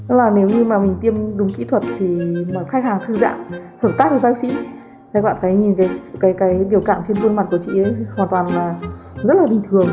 nếu mà mình tiêm đúng kĩ thuật thì khách hàng thư giãn hợp tác với bác sĩ các bạn có thể thấy biểu cảm trên khuôn mặt của chị ấy hoàn toàn bình thường